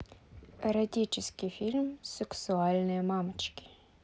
эротический фильм сексуальные мамочки